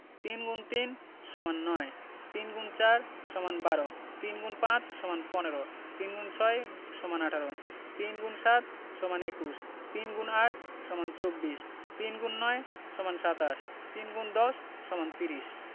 ৩ × ৩ = ৯ ৩ X ৪ = ১২ ৩ X ৫ = ১৫ ৩ x ৬ = ১৮ ৩ × ৭ = ২১ ৩ X ৮ = ২৪ ৩ X ৯ = ২৭ ৩ ×১০ = ৩০